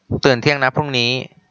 ตื่นเที่ยงนะพรุ่งนี้